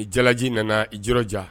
Ni jalaji nana i yɔrɔja